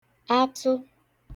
atụ